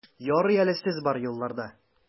Ярый әле сез бар юлларда!